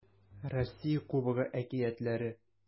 Россия Кубогы әкиятләре